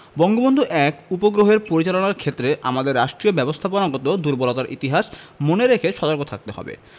বঙ্গবন্ধু ১ উপগ্রহের পরিচালনার ক্ষেত্রে আমাদের রাষ্ট্রীয় ব্যবস্থাপনাগত দূর্বলতার ইতিহাস মনে রেখে সতর্ক থাকতে হবে